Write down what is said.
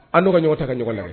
An n'o ka ɲɔgɔn ta ka ɲɔgɔn layɛ